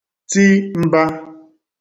ti mbā